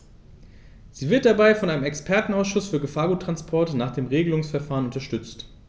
Sie wird dabei von einem Expertenausschuß für Gefahrguttransporte nach dem Regelungsverfahren unterstützt.